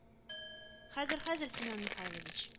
Хәзер, хәзер, Семен Михайлович